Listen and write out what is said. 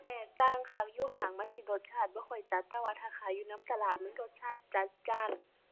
แตกต่างค่ะ อยู่ห้างมันสิรสชาติบ่ค่อยจัด แต่ว่าถ้าขายอยู่นำตลาดมันรสชาติจัดจ้าน